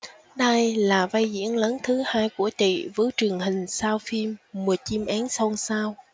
đây là vai diễn lớn thứ hai của chị với truyền hình sau phim mùa chim én xôn xao